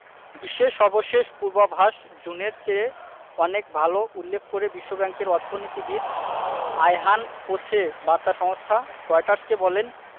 বিশ্বের সর্বশেষ পূর্বাভাস জুনের চেয়ে অনেক ভালো উল্লেখ করে বিশ্বব্যাংকের অর্থনীতিবিদ আয়হান কোসে বার্তা সংস্থা রয়টার্সকে বলেন